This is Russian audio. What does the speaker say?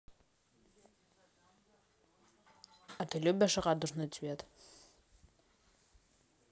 а ты любишь радужный цвет